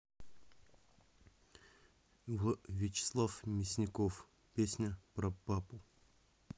вячеслав мясников песня про папу